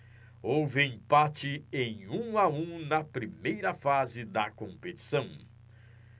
houve empate em um a um na primeira fase da competição